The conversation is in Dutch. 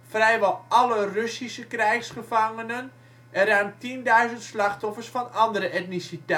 vrijwel alle Russische krijgsgevangenen en ruim 10 000 slachtoffers van andere etniciteiten. Het